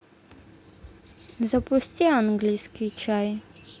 запусти английский чай